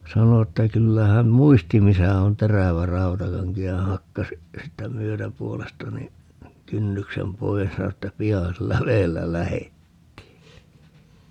sanoi että kyllä hän muisti missä on terävä rautakanki ja hakkasi siitä myötäpuolesta niin kynnyksen pois ja sanoi että pian sillä vedellä lähdettiin